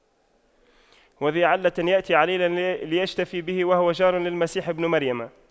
وذى علة يأتي عليلا ليشتفي به وهو جار للمسيح بن مريم